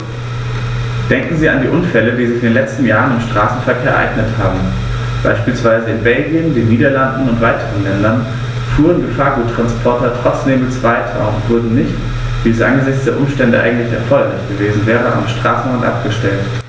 Denken Sie an die Unfälle, die sich in den letzten Jahren im Straßenverkehr ereignet haben. Beispielsweise in Belgien, den Niederlanden und weiteren Ländern fuhren Gefahrguttransporter trotz Nebels weiter und wurden nicht, wie es angesichts der Umstände eigentlich erforderlich gewesen wäre, am Straßenrand abgestellt.